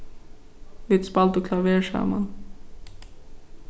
vit spældu klaver saman